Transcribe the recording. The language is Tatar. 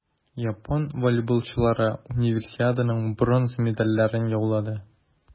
Япон волейболчылары Универсиаданың бронза медальләрен яулады.